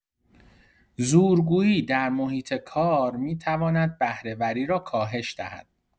زورگویی در محیط کار می‌تواند بهره‌وری را کاهش دهد.